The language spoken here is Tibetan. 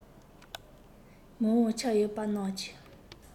མི དབང ཆ ཡོད པ རྣམས ཀྱིས